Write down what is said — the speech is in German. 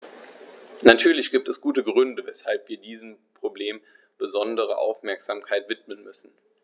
Natürlich gibt es gute Gründe, weshalb wir diesem Problem besondere Aufmerksamkeit widmen müssen.